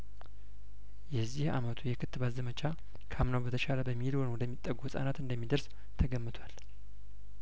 የዚህ አመቱ የክትባት ዘመቻ ከአምናው በተሻለ በሚሊዮን ወደሚጠጉ ህጻናት እንደሚደርስ ተገምቷል